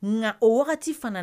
Nka o wagati fana